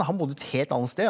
han bodde et helt annet sted.